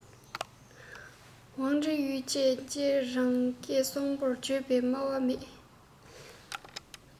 ཝང ཀྲེན ཝུའེ བཅས མཇལ རང སྐད སྲོང པོར བརྗོད པའི སྨྲ བ མེད